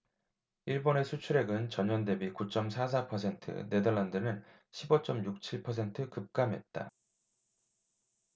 일본의 수출액은 전년대비 구 쩜 사 사 퍼센트 네덜란드는 십 오 쩜 육 칠 퍼센트 급감했다